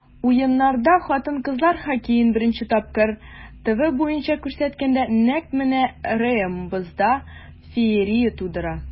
Уеннарда хатын-кызлар хоккеен беренче тапкыр ТВ буенча күрсәткәндә, нәкъ менә Реом бозда феерия тудыра.